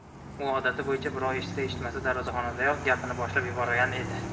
u odati bo'yicha birov eshitsa eshitmasa darvozaxonadayoq gapini boshlab yuborgan edi